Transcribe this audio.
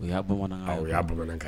U y' bamanan o y'a kɛ